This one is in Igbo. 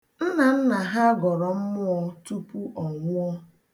Nnanna ha gọrọ mmụọ tupu ọ nwụọ.